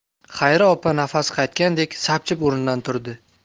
xayri opa nafasi qaytgandek sapchib o'rnidan turdi